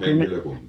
henkilökunta